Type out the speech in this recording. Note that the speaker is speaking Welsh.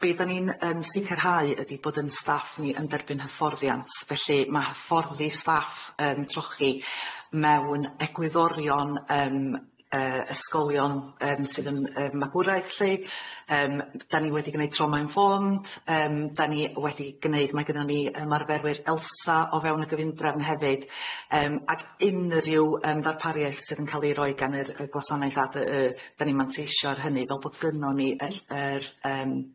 Be 'dan ni'n yn sicirhau ydi bod yn staff ni yn derbyn hyfforddiant felly ma' hyfforddi staff yn trochi mewn egwyddorion yym yy ysgolion yym sydd yn yym magwraeth lly yym 'dan ni wedi gneud Trauma Informed yym 'dan ni wedi gneud mae gynnon ni yym arferwyr Elsa o fewn y gyfundrefn hefyd yym ag unryw yym ddarpariaeth sydd yn ca'l i roi gan yr y gwasanaeth a dy y 'dan ni'n manteisio ar hynny fel bod gynnon ni yy yr yym